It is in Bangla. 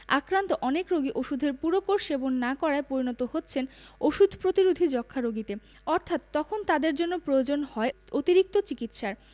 আক্রান্ত অনেক রোগী ওষুধের পুরো কোর্স সেবন না করায় পরিণত হচ্ছেন ওষুধ প্রতিরোধী যক্ষ্মা রোগীতে অর্থাৎ তখন তাদের জন্য প্রয়োজন হয় অতিরিক্ত চিকিৎসার